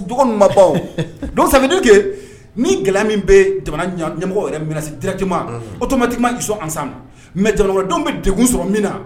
dɔgɔnmabaw don sami tɛ ni gɛlɛya min bɛ jamana ɲɛmɔgɔ yɛrɛ minɛnsidira caman o tuma di ma sɔn an san mɛ jamanadenw bɛ de sɔrɔ min na